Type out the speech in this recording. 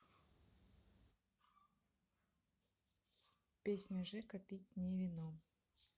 песня жека пить с ней вино